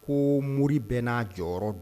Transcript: Ko mori bɛɛ n'a jɔyɔrɔ don.